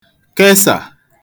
kẹsa